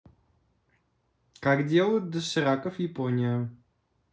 как делают дошираков япония